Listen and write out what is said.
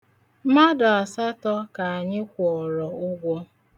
Mmadụ asatọ ka anyị kwụọrọ ụgwọ.